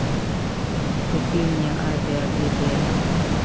купи мне авиабилет